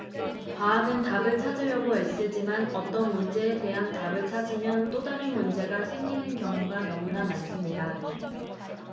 과학은 답을 찾으려고 애쓰지만 어떤 문제에 대한 답을 찾으면 또 다른 문제가 생기는 경우가 너무나 많습니다